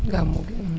gàmmu gi